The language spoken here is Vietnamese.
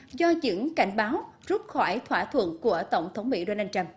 do những cảnh báo rút khỏi thỏa thuận của tổng thống mỹ đô nan trăm